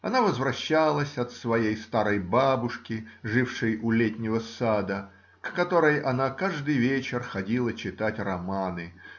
Она возвращалась от своей старой бабушки, жившей у Летнего сада, к которой она каждый вечер ходила читать романы.